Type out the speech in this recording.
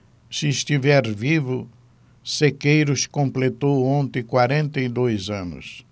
se estiver vivo sequeiros completou ontem quarenta e dois anos